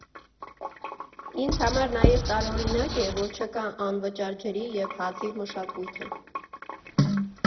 Ինձ համար նաև տարօրինակ է, որ չկա անվճար ջրի և հացի մշակույթը։